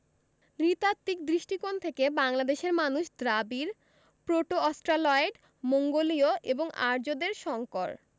নৃতাত্ত্বিক দৃষ্টিকোণ থেকে বাংলাদেশের মানুষ দ্রাবিড় প্রোটো অস্ট্রালয়েড মঙ্গোলীয় এবং আর্যদের সংকর